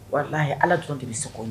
Walayi Ala dɔrɔn de bɛ se